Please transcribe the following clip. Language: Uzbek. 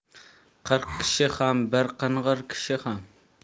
qirq kishi ham bir qing'ir kishi ham